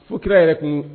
Futatura yɛrɛ tun